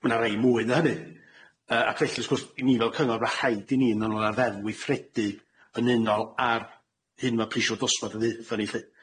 Ma' na rai mwyn na hynny yy ac felly wrth gwrs i ni fel cyngor ma' rhaid i ni ma' nw'n arddefn weithredu yn unol ar hyn ma' prisio dosbarth yn ddeu'th a ni lly.